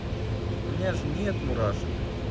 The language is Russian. у меня ж нет мурашек